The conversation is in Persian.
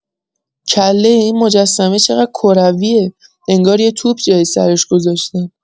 کله این مجسمه چه‌قدر کرویه، انگار یه توپ جای سرش گذاشتن!